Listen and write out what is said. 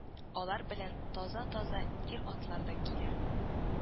Алар белән таза-таза ир-атлар да килә